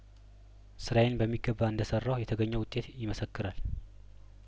ስራዬን በሚገባ እንደሰራሁ የተገኘው ውጤት ይመሰክራል